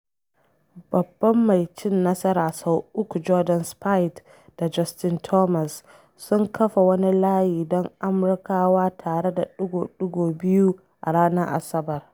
Babban mai cin nasara sau uku Jordan Spieth da Justin Thomas sun kafa wani layi don Amurkawa tare da ɗigo-ɗigo biyu a ranar Asabar.